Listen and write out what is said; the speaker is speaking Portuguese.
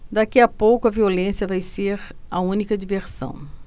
daqui a pouco a violência vai ser a única diversão